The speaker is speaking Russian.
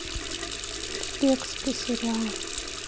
узбекский сериал